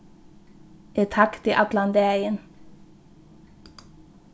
eg tagdi allan dagin